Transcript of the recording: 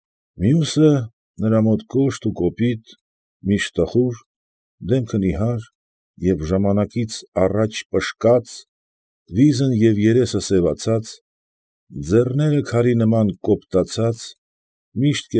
Մյուսը ֊ նրա մոտ կոշտ ու կոպիտ, միշտ տխուր, դեմքը նիհար, և ժամանակից առաջ պշկած, վիզն և երեսը սևացած, ձեռները քարի նման կոպտացած, միշտ։